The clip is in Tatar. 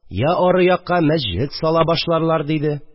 Йә ары якка мәсҗет сала башларлар, – диде